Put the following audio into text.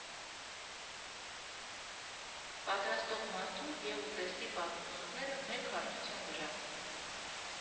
Պատրաստող մարդու և ուտեստի պատմությունները՝ մեկ հարթության վրա։